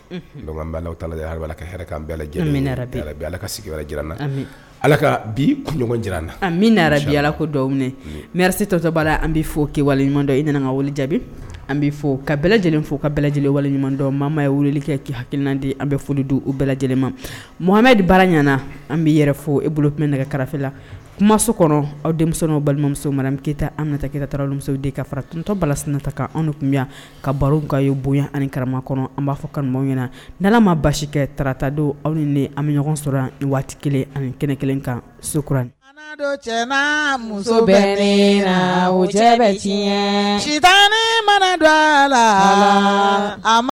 Bi bi ala ko dɔw tɔ la an bɛ fɔ ɲuman i nana ka jaabi an bɛ fɔ ka lajɛlen fo ka lajɛlen ɲuman mamama ye wele kɛ ki hakiina di an bɛ foli dun u bɛɛ lajɛlen maha baara ɲɛnaana an bɛ yɛrɛ fɔ e bolo tun bɛ nɛgɛ kara la kuma so kɔnɔ aw denmusow balimamuso manami keta an na ki tarawele de ka fara tuntɔ balala sinainata kan anw tun ka baro ka ye bonya ni karama kɔnɔ an b'a fɔ kanu ɲɛna n ma basi kɛ tarata don aw ni an bɛ ɲɔgɔn sɔrɔ ni waati ani kɛnɛ kelen kan so kura ala cɛta mana a la